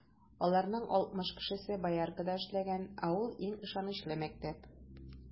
Аларның алтмыш кешесе Бояркада эшләгән, ә ул - иң ышанычлы мәктәп.